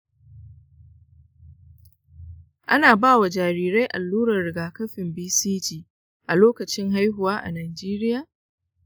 ana ba wa jarirai allurar rigakafin bcg a lokacin haihuwa a najeriya?